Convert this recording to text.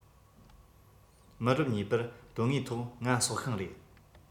མི རབས གཉིས པར དོན དངོས ཐོག ང སྲོག ཤིང རེད